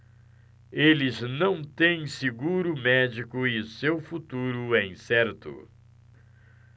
eles não têm seguro médico e seu futuro é incerto